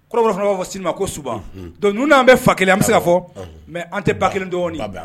Fana b'a fɔ' ma ko su don n n'an bɛ fa kelen an bɛ se ka fɔ mɛ an tɛ ba kelen dɔɔnin